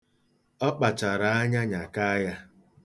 Ọ kpachara anya nyakaa ya.